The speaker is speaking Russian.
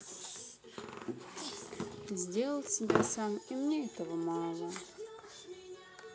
сделал себя сам и мне этого мало